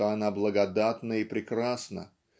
что она благодатна и прекрасна